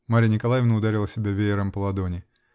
Марья Николаевна ударила себя веером по ладони.